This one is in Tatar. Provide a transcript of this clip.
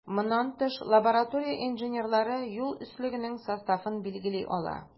Моннан тыш, лаборатория инженерлары юл өслегенең составын билгели ала.